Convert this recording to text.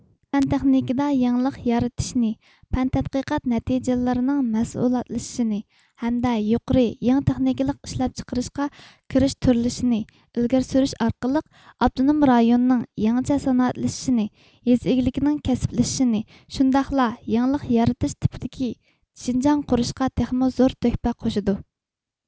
پەن تېخنىكىدا يېڭىلىق يارىتىشنى پەن تەتقىقات نەتىجلىرىنىڭ مەھسۇلاتلىشىشىنى ھەمدە يۇقىرى يېڭى تېخنىكىلىق ئىشلەپچىقىرىشقا كىرىشتۈرۈلۈشىنى ئىلگىرى سۈرۈش ئارقىلىق ئاپتونوم رايوننىڭ يېڭىچە سانائەتلىشىشنى يېزا ئىگىلىكىنىڭ كەسىپلىشىشىنى شۇنداقلا يېڭىلىق يارىتىش تىپىدىكى شىنجاڭ قۇرۇشقا تېخىمۇ زور تۆھپە قوشىدۇ